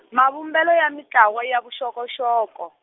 mavumbelo ya mintlawa ya vuxokoxoko.